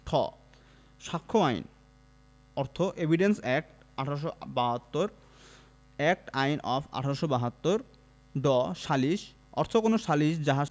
ঠ সাক্ষ্য আইন অর্থ evidence act. ১৮৭২ act one of ১৮৭২ ড সালিস অর্থ কোন সালিস যাহা